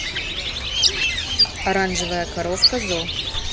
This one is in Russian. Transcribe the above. оранжевая коровка зо